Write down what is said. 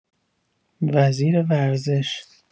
وزیر ورزش